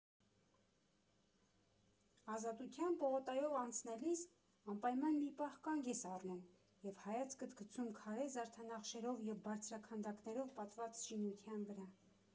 Ազատության պողոտայով անցնելիս անպայման մի պահ կանգ ես առնում և հայացքդ գցում քարե զարդանախշերով և բարձրաքանդակներով պատված շինության վրա։